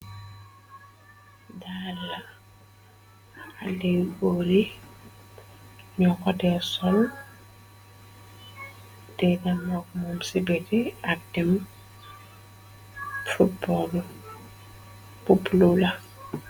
daala alegori ñu xote sol 1inamok mum ci beti ak dem puplula